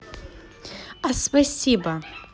а спасибо